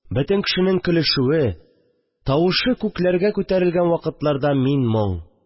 Бөтен кешенең көлешүе, тавышы күкләргә күтәрелгән вакытларда мин моң